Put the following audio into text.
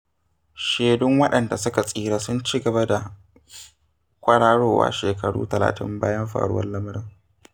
Shedun waɗanda suka tsira sun cigaba da kwararowa shekaru 30 bayan faruwar lamarin.